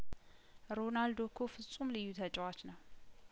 ሮናልዶ እኮ ፍጹም ልዩ ተጫዋች ነው